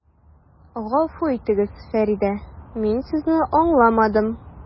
Гафу итегез, Фәридә, мин Сезне аңламадым.